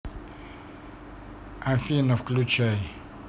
афина включай